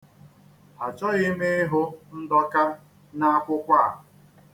Achọghị m ịhụ ndọka n'akwụkwọ a.